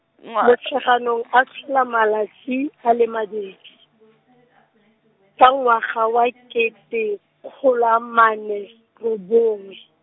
Motsheganong a tlhola malatsi a le mabedi, ka ngwaga wa kete, kgolo amane, robongwe.